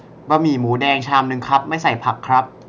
บะหมี่หมูแดงชามนึงครับไม่ใส่ผักครับ